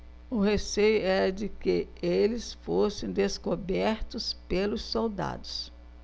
o receio era de que eles fossem descobertos pelos soldados